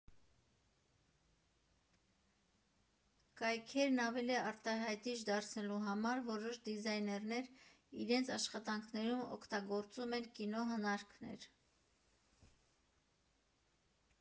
Կայքերն ավելի արտահայտիչ դարձնելու համար որոշ դիզայներներ իրենց աշխատանքներում օգտագործում են կինո հնարքներ։